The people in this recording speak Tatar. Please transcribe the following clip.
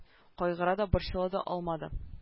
Кайгыра да борчыла да алмады